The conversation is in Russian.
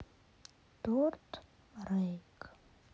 торт рейк